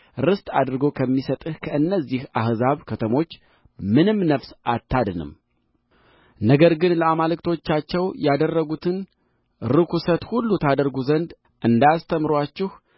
ርስት አድርጎ ከሚሰጥህ ከእነዚህ አሕዛብ ከተሞች ምንም ነፍስ አታድንም ነገር ግን ለአማልክቶቻቸው ያደረጉትን ርኵሰት ሁሉ ታደርጉ ዘንድ እንዳያስተምሩአችሁ